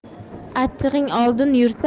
achchig'ing oldin yursa